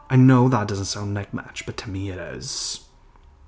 I know that doesn't sound like much but to me it is.